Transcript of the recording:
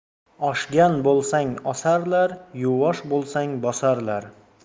oshgan bo'lsang osarlar yuvvosh bo'lsang bosarlar